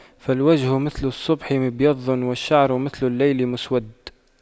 فالوجه مثل الصبح مبيض والشعر مثل الليل مسود